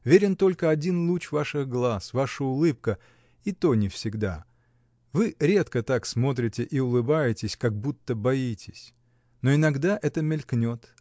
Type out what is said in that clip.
верен только один луч ваших глаз, ваша улыбка, и то не всегда: вы редко так смотрите и улыбаетесь, как будто боитесь. Но иногда это мелькает